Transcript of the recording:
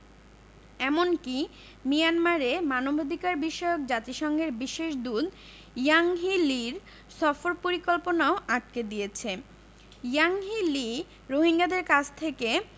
এমনকি মিয়ানমারে মানবাধিকারবিষয়ক জাতিসংঘের বিশেষ দূত ইয়াংহি লির সফর পরিকল্পনাও আটকে দিয়েছে ইয়াংহি লি রোহিঙ্গাদের কাছ থেকে